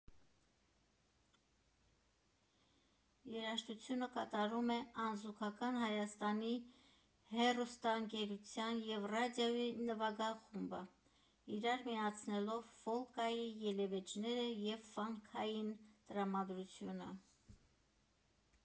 Երաժշտությունը կատարում է անզուգական Հայաստանի հեռուստաընկերության և ռադիոյի նվագախումբը՝ իրար միացնելով ֆոլկային ելևէջները և ֆանքային տրամադրությունը։